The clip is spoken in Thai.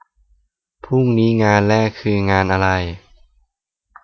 พรุ่งนี้่ิงานแรกคืองานอะไร